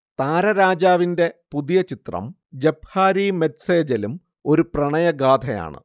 താരരാജാവിന്റെ പുതിയ ചിത്രം Jab Harry met സേജലും ഒരു പ്രണയഗാഥയാണ്